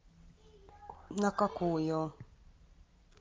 на какую